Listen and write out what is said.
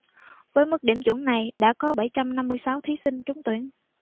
với mức điểm chuẩn này đã có bảy trăm năm mươi sáu thí sinh trúng tuyển